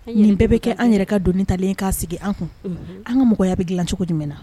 Nin bɛɛ bɛ kɛ an yɛrɛ ka don talen k'a sigi an kun an ka mɔgɔya bɛ dilan cogo jumɛn na